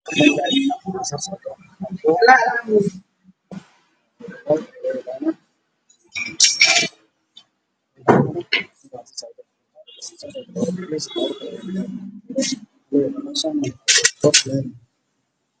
Waa laami ay marayso bajaaj iyo caasi